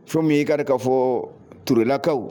Fɛn min ye i ka dɔn k'a fɔ turelakaw